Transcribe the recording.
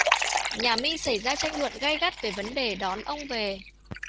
nhà minh xảy ra tranh luận gay gắt về vấn đề đón ông về